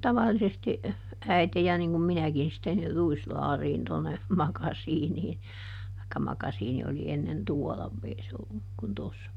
tavallisesti äiti ja niin kuin minäkin sitten niin ruislaariin tuonne makasiiniin tai makasiini oli ennen tuolla ei se ollut kuin tuossa